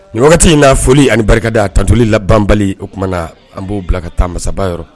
Ninti in'a foli ani barikada a tatuli labanbali o kumana an b'o bila ka taa masaba yɔrɔ